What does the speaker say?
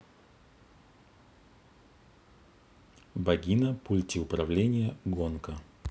багина пульте управления гонка